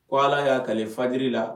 Ko ala y'a ka fajiri la